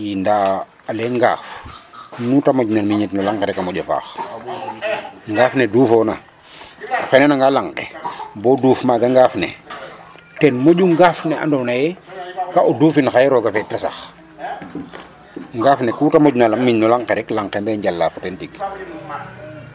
II ndaa alee ngaaf nu ta moƴna miñit no lang ke rek a moƴo faax, ngaaf ne duufoona o xendanangaa lang ke bo duuf maaga ngaaf ne ten moƴu ngaaf ne andoona yee ka o duufin xaye roog a feed ta sax. Ngaaf ne ku ta moƴna miñ no lang ke mbee njalaa fo den tig.